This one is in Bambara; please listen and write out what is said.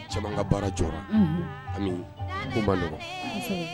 Caman ka baara jɔra, unhun, Ami k'ow man nɔgɔn, kosɛbɛ